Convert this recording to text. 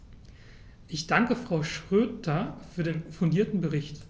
Ich danke Frau Schroedter für den fundierten Bericht.